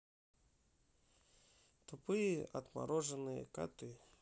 тупые отмороженные коты